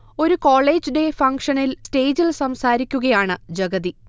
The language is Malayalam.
ഒരു കോളേജ് ഡേ ഫംങ്ഷനിൽ സ്റ്റേജിൽ സംസാരിക്കുകയാണ് ജഗതി